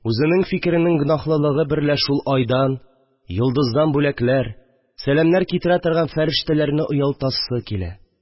Үзенең фикеренең гөнаһлылыгы берлә шул айдан, йолдыздан бүләкләр, сәламнәр китерә торган фәрештәләрне оялтасы килә